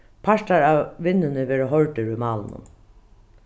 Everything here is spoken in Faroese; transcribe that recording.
partar av vinnuni verða hoyrdir í málinum